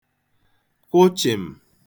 kwụ chị̀m̀